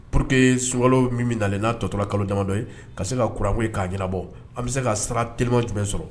Pour que sunkalo min na n'a tɔtɔla kalojadɔ ka se kauran k'a jirabɔ an bɛ se ka sara teelima jumɛn sɔrɔ